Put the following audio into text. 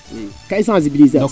i kaa i sensibliser ogu